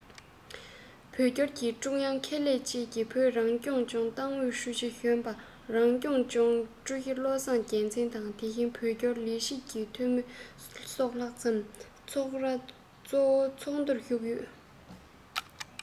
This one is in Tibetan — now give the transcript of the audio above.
བོད སྐྱོར གྱི ཀྲུང དབྱང ཁེ ལས བཅས དང བོད རང སྐྱོང ལྗོངས ཏང ཨུད ཀྱི ཧྲུའུ ཅི གཞོན པ རང སྐྱོང ལྗོངས ཀྱི ཀྲུའུ ཞི བློ བཟང རྒྱལ མཚན དང དེ བཞིན བོད སྐྱོར ལས བྱེད ཀྱི འཐུས མི སོགས ལྷག ཙམ ཚོགས ར གཙོ བོའི ཚོགས འདུར ཞུགས ཡོད